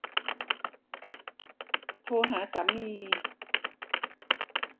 โทรหาสามี